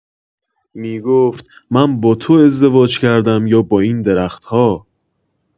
می‌گفت: «من با تو ازدواج کردم یا با این درخت‌ها؟»